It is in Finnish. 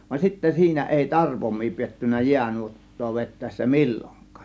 vaan sitten siinä ei tarpoimia pidetty jäänuottaa vetäessä milloinkaan